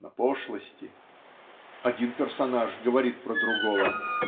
на пошлости (один персонаж говорит про другого